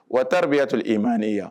Wa taara bɛ y ya to e ma ne yan